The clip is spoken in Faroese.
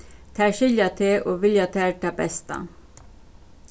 tær skilja teg og vilja tær tað besta